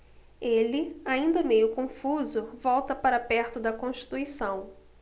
ele ainda meio confuso volta para perto de constituição